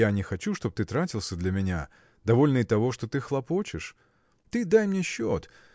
я не хочу, чтоб ты тратился для меня довольно и того, что ты хлопочешь. Ты дай мне счет.